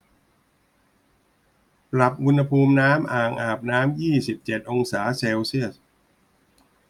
ปรับอุณหภูมิน้ำอ่างอาบน้ำยี่สิบเจ็ดองศาเซลเซียส